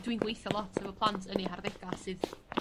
dwi'n gweitho lot hefo plant yn 'u harddega sydd